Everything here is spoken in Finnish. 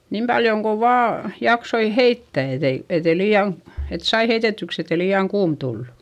niin paljon kuin vain jaksoi heittää että ei että ei liian että sai heitetyksi että ei liian kuuma tullut